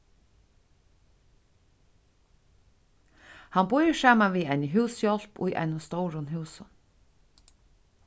hann býr saman við eini húshjálp í einum stórum húsum